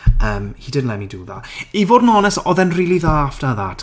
Yym He didn't let me do that. I fod yn onest oedd yn rili dda after that.